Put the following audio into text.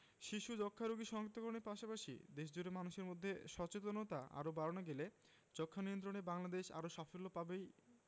শিশু যক্ষ্ণারোগী শনাক্ত করণের পাশাপাশি দেশজুড়ে মানুষের মধ্যে সচেতনতা আরও বাড়ানো গেলে যক্ষ্মানিয়ন্ত্রণে বাংলাদেশ আরও সাফল্য পাবেই